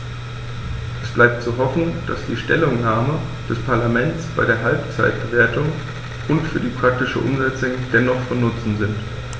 Es bleibt zu hoffen, dass die Stellungnahmen des Parlaments bei der Halbzeitbewertung und für die praktische Umsetzung dennoch von Nutzen sind.